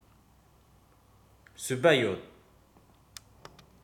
སོས པ ཡོད